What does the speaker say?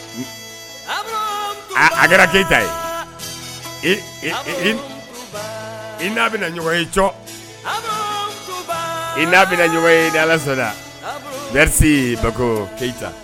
Aaa a kɛra keyita ye i n'a bɛna ɲɔgɔn ye c i n'a bɛna ye dalasa bere ba keyita